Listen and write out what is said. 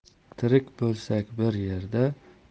tirik bo'lsak bir yerda